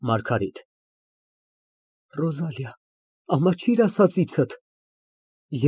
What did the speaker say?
ՄԱՐԳԱՐԻՏ ֊ Ամաչիր ասածիցդ, Ռոզալիա։